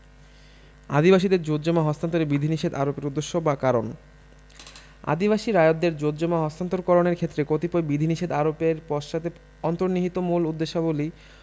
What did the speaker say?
আদিবাসীদের জোতজমা হস্তান্তরে বিধিনিষেধ আরোপের উদ্দেশ্য বা কারণ আদিবাসী রায়তদের জোতজমা হস্তান্তর করণের ক্ষেত্রে কতিপয় বিধিনিষেধ আরোপের পশ্চাতে অন্তর্নিহিত মূল উদ্দেশ্যাবলী